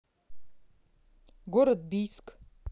город бийск